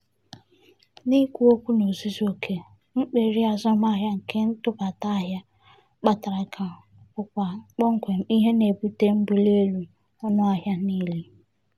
N'ikwu okwu n'ozuzuoke, mperi azụmụahịa nke ntụbata ahịa kpatara ka bụkwa kpọmkwem ihe na-ebute mbuli elu ọnụ ahịa niile.